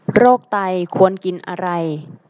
โรคไตควรกินอะไร